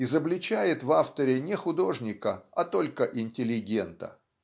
изобличает в авторе не художника а только интеллигента.